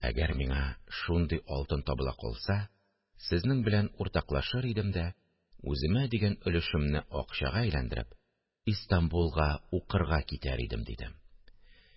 Әгәр миңа шундый алтын табыла калса, сезнең белән уртаклашыр идем дә, үземә дигән өлешемне акчага әйләндереп, Истанбулга укырга китәр идем, – дидем